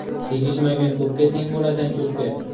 tegishmagin ko'pga teng bo'lasan cho'pga